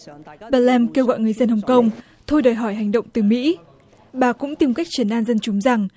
bà lem kêu gọi người dân hồng công thôi đòi hỏi hành động từ mỹ bà cũng tìm cách trấn an dân chúng rằng